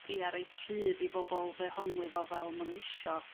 ia reit rhydd i bobol ddehongli fo fel ma' nhw isio.